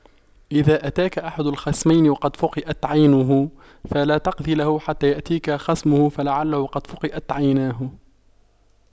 إذا أتاك أحد الخصمين وقد فُقِئَتْ عينه فلا تقض له حتى يأتيك خصمه فلعله قد فُقِئَتْ عيناه